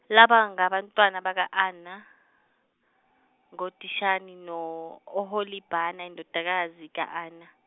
laba bangabantwana baka Ana, ngoDishani no Oholibana indodakazi ka Ana.